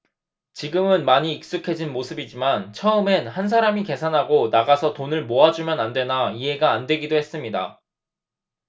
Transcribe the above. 지금은 많이 익숙해진 모습이지만 처음엔 한 사람이 계산하고 나가서 돈을 모아주면 안되나 이해가 안되기도 했습니다